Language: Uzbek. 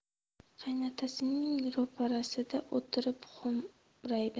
qaynotasining ro'parasiga o'tirib xo'mraydi